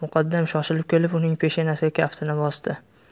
muqaddam shoshilib kelib uning peshanasiga kaftini bosdi